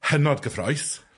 hynod gyffrous.